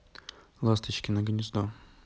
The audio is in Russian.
ласточкино гнездо